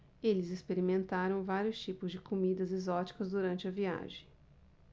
eles experimentaram vários tipos de comidas exóticas durante a viagem